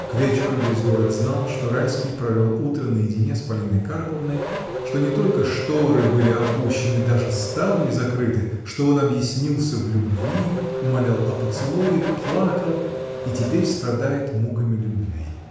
К вечеру весь город знал, что Райский провел утро наедине с Полиной Карповной, что не только сторы были опущены, даже ставни закрыты, что он объяснился в любви, умолял о поцелуе, плакал — и теперь страдает муками любви.